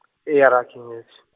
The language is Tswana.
ee ra ke nyetse.